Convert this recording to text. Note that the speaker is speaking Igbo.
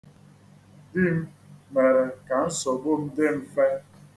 Di m mere ka nsogbu m dị mfe